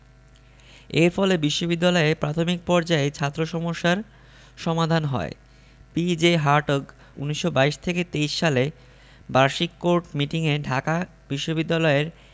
এর ফলে বিশ্ববিদ্যালয়ে প্রাথমিক পর্যায়ে ছাত্র সমস্যার সমাধান হয় পি.জে হার্টগ ১৯২২ ২৩ সালে বার্ষিক কোর্ট মিটিং এ ঢাকা বিশ্ববিদ্যালয়ের